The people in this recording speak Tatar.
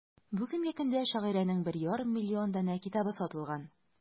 Бүгенге көндә шагыйрәнең 1,5 миллион данә китабы сатылган.